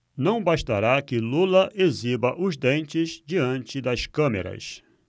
não bastará que lula exiba os dentes diante das câmeras